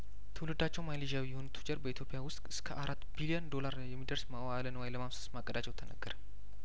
ትውልዳቸው ማሌዥያዊ የሆኑት ቱጃር በኢትዮጵያ ውስጥ እስከአራት ቢሊዮን ዶላር የሚደርስ መዋእለ ንዋይ ለማፍሰስ ማቀዳቸው ተነገረ